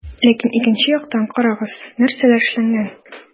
Ләкин икенче яктан - карагыз, нәрсәләр эшләнгән.